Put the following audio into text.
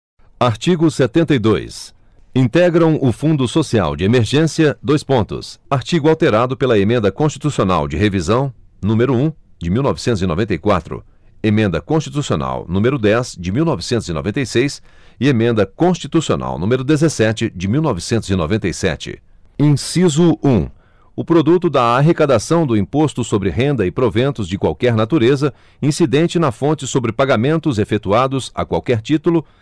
artigo setenta e dois integram o fundo social de emergência dois pontos artigo alterado pela emenda constitucional de revisão número um de mil e novecentos e noventa e quatro emenda constitucional número dez de mil novecentos e noventa e seis e emenda constitucional número dezessete de mil novecentos e noventa e sete inciso um o produto da arrecadação do imposto sobre renda e proventos de qualquer natureza incidente na fonte sobre pagamentos efetuados a qualquer título